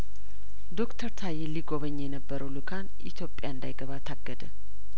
ዶክተር ታዬን ሊጐበኝ የነበረውሉክ ኢትዮጵያ እንዳይገባ ታገደ